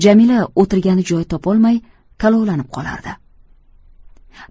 jamila o'tirgani joy topolmay kalovlanib qolardi